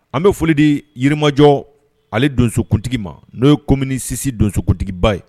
An bɛ foli di yirimajɔ ani donsokuntigi ma n'o ye comini sisi donsokuntigiba ye